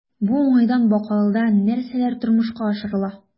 Бу уңайдан Бакалыда нәрсәләр тормышка ашырыла?